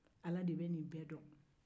ala de bɛ nin bɛɛ dɔn